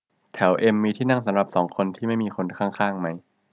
แถวเอ็มมีที่นั่งสำหรับสองคนที่ไม่มีคนข้างข้างมั้ย